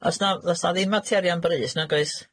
O's na, do's 'a ddim materion brys, nag oes?